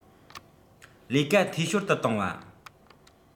ལས ཀ འཐུས ཤོར དུ གཏོང བ